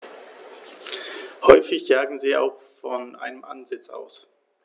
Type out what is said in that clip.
Häufig jagen sie auch von einem Ansitz aus.